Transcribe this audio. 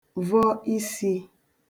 vọ isī